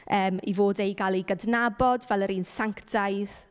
Yym ei fod e i gael ei gydnabod fel yr un sanctaidd.